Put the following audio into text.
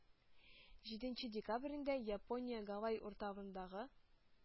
Җиденче декабрендә япония гавай утравындагы